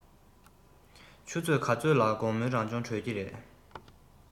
ཆུ ཚོད ག ཚོད ལ དགོང མོའི རང སྦྱོང གྲོལ ཀྱི རེད